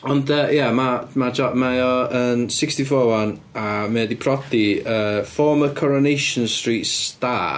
Ond yy ia, ma'- ma' j- ma' o yn sixty four 'wan a mae o 'di priodi yy former Coronation Street star.